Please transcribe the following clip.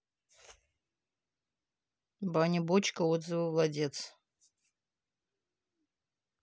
баня бочка отзывы владец